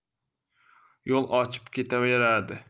yo'l ochib ketaveradi